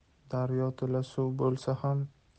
daryo to'la suv bo'lsa ham